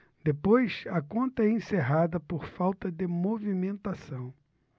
depois a conta é encerrada por falta de movimentação